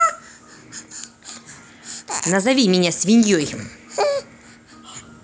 назови меня свиньей